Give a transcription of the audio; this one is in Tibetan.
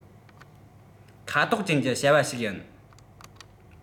ཁ དོག ཅན གྱི བྱ བ ཞིག ཡིན